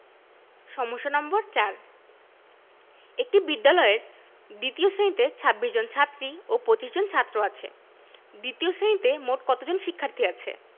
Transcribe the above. সমস্যা নম্বর ৪ একটি বিদ্যালয়ের দ্বিতীয় শ্রেণিতে ২৬ জন ছাত্রী ও ২৫ জন ছাত্র আছে দ্বিতীয় শ্রেণিতে মোট কত জন শিক্ষার্থী আছে